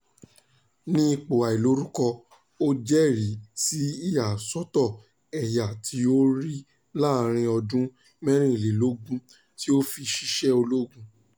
Ní ipò àìlórúkọ, ó jẹ́rìí sí ìyàsọ́tọ̀ ẹ̀yà tí ó rí láàárín ọdún mẹ́rìnlélógún tí ó fi ṣiṣẹ́ ológun: